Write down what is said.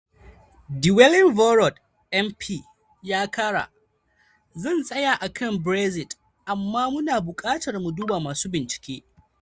The Wellingborough MP ya kara: 'Zan tsaya a kan Brexit amma mu na buƙatar mu duba masu bincike.'